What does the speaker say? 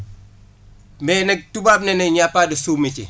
mais nag tubaab nee na il y' a aps de sot métier